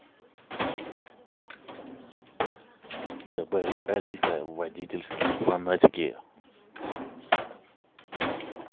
добавить алиса водительские фанатики